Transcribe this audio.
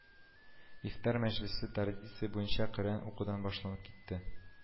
Ифтар мәҗлесе традиция буенча Коръән укудан башланып китте